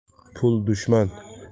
pul dushman